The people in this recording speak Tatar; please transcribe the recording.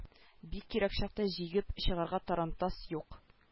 Бик кирәк чакта җигеп чыгарга тарантас юк